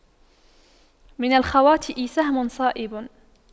من الخواطئ سهم صائب